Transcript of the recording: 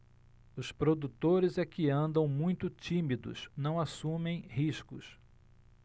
os produtores é que andam muito tímidos não assumem riscos